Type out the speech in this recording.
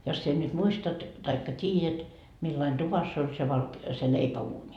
jos sinä nyt muistat tai tiedät millainen tuvassa oli se - se leipäuuni